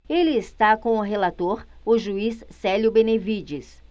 ele está com o relator o juiz célio benevides